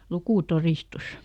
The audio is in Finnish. lukutodistus